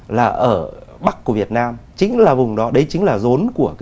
là ở bắc của việt nam chính là vùng đó đấy chính là rốn của